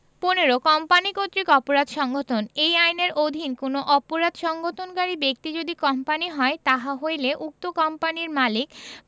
১৫ company কর্র্তক অপরাধ সংঘটনঃ এই আইনের অধীন কোন অপরাধ সংঘটনকারী ব্যক্তি যদি কোম্পানী হয় তাহা হইলে উক্ত কোম্পানীর মালিক